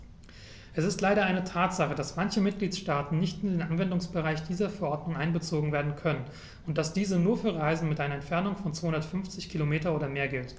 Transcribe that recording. Es ist leider eine Tatsache, dass manche Mitgliedstaaten nicht in den Anwendungsbereich dieser Verordnung einbezogen werden können und dass diese nur für Reisen mit einer Entfernung von 250 km oder mehr gilt.